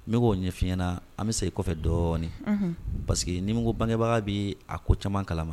Ne bo ɲɛ fi ɲɛna an be segin kɔfɛ dɔɔni parceque ni ko bangebaga bɛ a ko caman kalama